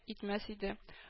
Итмәс иде